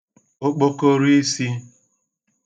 okpokoroisī